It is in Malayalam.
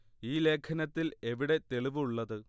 ഈ ലേഖനത്തിൽ എവിടെ തെളിവ് ഉള്ളത്